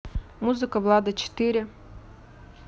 музыка влада четыре